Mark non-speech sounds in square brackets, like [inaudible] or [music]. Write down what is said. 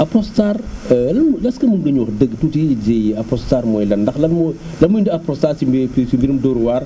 Apronstar [hesitation] lan est ce que mën nga ñoo wax dëgg tuuti ji Apronstar mooy lan ndax lan moo lan moo indi Apronstar ci biir si mbirum Dóor waar